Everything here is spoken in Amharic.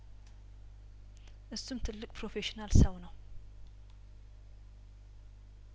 እሱም ትልቅ ፕሮፌሽናል ሰው ነው